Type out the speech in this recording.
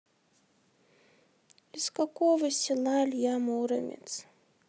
из какого села илья муромец